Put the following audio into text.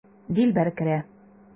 Дилбәр керә.